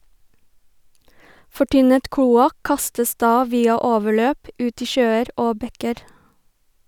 Fortynnet kloakk kastes da via overløp ut i sjøer og bekker.